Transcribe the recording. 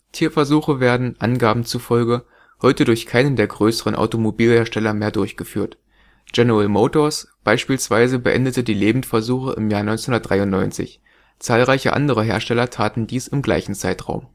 Tierversuche werden – Angaben zufolge – heute durch keinen der größeren Automobilhersteller mehr durchgeführt. General Motors beispielsweise beendete die Lebendversuche im Jahr 1993, zahlreiche andere Hersteller taten dies im gleichen Zeitraum